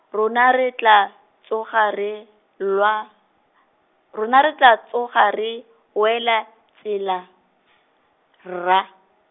rona re tla, tsoga re, lwa, rona re tla tsoga re, wela, tsela , rra.